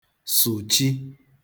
sụ̀chi